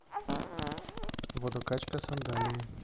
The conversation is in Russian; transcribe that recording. водокачка сандалии